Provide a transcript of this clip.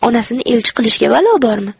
onasini elchi qilishga balo bormi